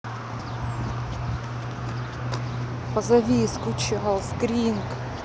позови скучал спринг